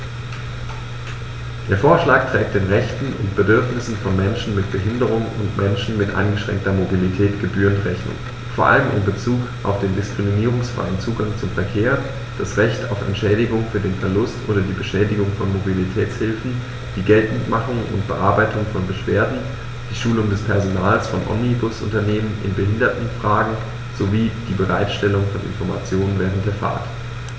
Der Vorschlag trägt den Rechten und Bedürfnissen von Menschen mit Behinderung und Menschen mit eingeschränkter Mobilität gebührend Rechnung, vor allem in Bezug auf den diskriminierungsfreien Zugang zum Verkehr, das Recht auf Entschädigung für den Verlust oder die Beschädigung von Mobilitätshilfen, die Geltendmachung und Bearbeitung von Beschwerden, die Schulung des Personals von Omnibusunternehmen in Behindertenfragen sowie die Bereitstellung von Informationen während der Fahrt.